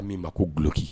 Min ma ko gloki